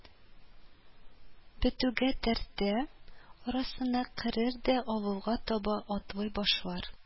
Бетүгә тәртә арасына керер дә авылга таба атлый башлар